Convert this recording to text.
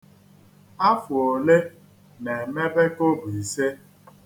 Afụ ole na-emebe kọbọ ise?